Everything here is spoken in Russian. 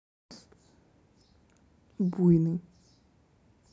буйный